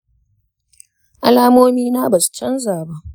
alalomina basu canza ba